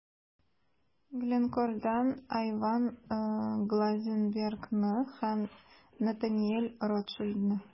Glencore'дан Айван Глазенбергны һәм Натаниэль Ротшильдны.